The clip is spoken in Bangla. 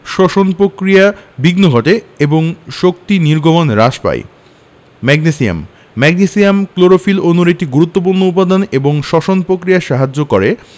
শ্বসন প্রক্রিয়ায় বিঘ্ন ঘটে এবং শক্তি নির্গমন হ্রাস পায় ম্যাগনেসিয়াম ম্যাগনেসিয়াম ক্লোরোফিল অণুর একটি গুরুত্বপুর্ণ উপাদান এবং শ্বসন প্রক্রিয়ায় সাহায্য করে